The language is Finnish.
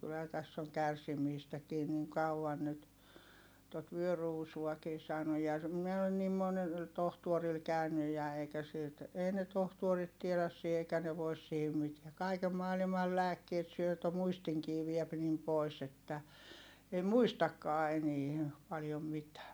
kyllähän tässä on kärsimistäkin niin kauan nyt tuota vyöruusuakin saanut ja minä olen niin monella tohtorilla käynyt ja eikä siltä ei ne tohtorit tiedä siinä eikä ne voisi siihen mitään kaiken maailman lääkkeitä syö jotta muistinkin vie niin pois että ei muistakaan enää paljon mitään